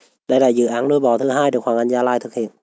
đây là dự án nuôi bò thứ hai được hoàng anh gia lai thực hiện